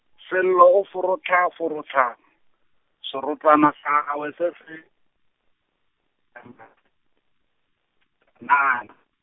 Sello o forohlaforohla no, serotswana sa gagwe se se, -nana.